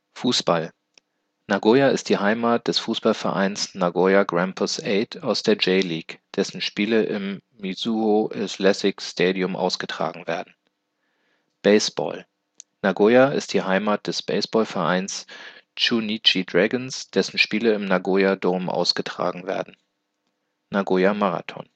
Fußball Nagoya ist die Heimat des Fußballvereins Nagoya Grampus Eight aus der J. League, dessen Spiele im Mizuho Athletic Stadion ausgetragen werden. Baseball Nagoya ist die Heimat des Baseballvereins Chūnichi Dragons, dessen Spiele im Nagoya Dome ausgetragen werden. Nagoya-Marathon